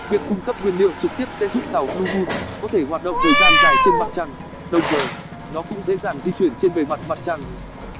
việc cung cấp nguyên liệu trực tiếp sẽ giúp tàu blue moon có thể hoạt động thời gian dài trên mặt trăng đồng thời nó cũng dễ dàng di chuyển trên bề mặt mặt trăng